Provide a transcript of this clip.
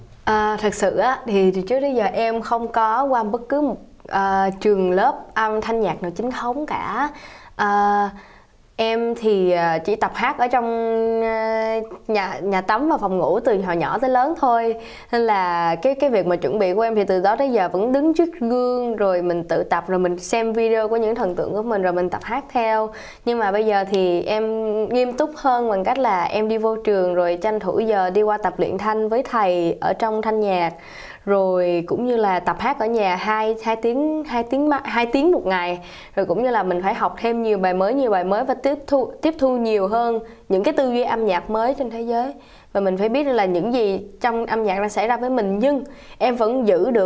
ờ thật sự á thì từ trước đến giờ em không có goa bất cứ một ờ trường lớp âm thanh nhạc nào chính thống cả ờ em thì a chỉ tập hát ở trong a nhà nhà tắm và phòng ngủ từ hồi nhỏ tới lớn thôi nên là cái cái việc mà chuẩn bị của em thì từ đó tới giờ vẫn đứng trước gương rồi mình tự tập là mình xem vi đi âu của những thần tượng của mình rồi mình tập hát theo nhưng mà bây giờ thì em nghiêm túc hơn bằng cách là em đi vô trường rồi tranh thủ giờ đi qua tập luyện thanh với thầy ở trong thanh nhạc rồi cũng như là tập hát ở nhà hai hai tiếng hai tiếng hai tiếng một ngày rồi cũng như là mình phải học thêm nhiều bài mới nhiều bài mới và tiếp thụ tiếp thu nhiều hơn những cái tư duy âm nhạc mới trên thế giới và mình phải biết là những gì trong âm nhạc đã xảy ra với mình nhưng em vẫn giữ được